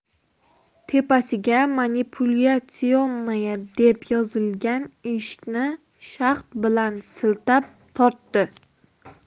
tepasiga manipulyatsionnaya deb yozilgan eshikni shaxt bilan siltab tortdi